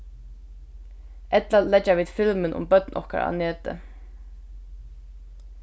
ella leggja vit filmin um børn okkara á netið